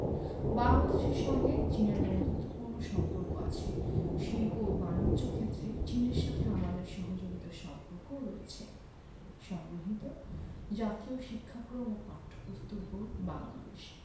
বাংলাদেশের সঙ্গে চীনের বন্ধুত্বপূর্ণ সম্পর্ক আছে শিল্প ও বানিজ্য ক্ষেত্রে চীনের সাথে আমাদের সহযোগিতার সম্পর্কও রয়েছে সংগৃহীত জাতীয় শিক্ষাক্রম ও পাঠ্যপুস্তক বোর্ড বাংলাদেশ